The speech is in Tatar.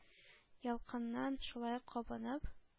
Ялкыныннан шулай кабынып